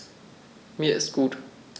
Mir ist gut.